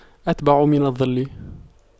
أتبع من الظل